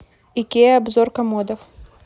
икеа обзор комодов